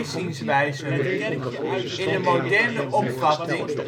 zienswijzen. In de moderne opvatting